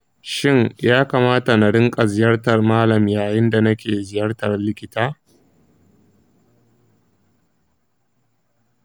shin ya kamata na rinƙa ziyartar malam yayin da nake ziyartar likita?